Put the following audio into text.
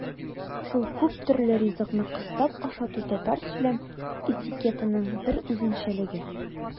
Шул күптөрле ризыкны кыстап ашату татар сөйләм этикетының бер үзенчәлеге.